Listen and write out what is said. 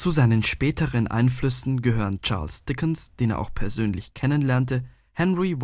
seinen späteren Einflüssen gehören Charles Dickens, den er auch persönlich kennen lernte, Henry